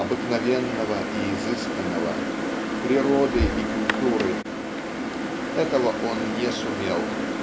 обыкновенного и изысканного природы и культуры этого он не сумел.